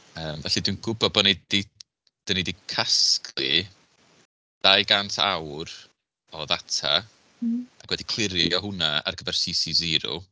yym felly dwi'n gwybod bod ni 'di 'da ni 'di casglu dau gant awr o ddata... m-hm. ...a wedi clirio hwnna ar gyfer CC zero